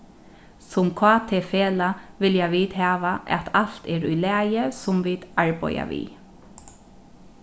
sum kt-felag vilja vit hava at alt er í lagi sum vit arbeiða við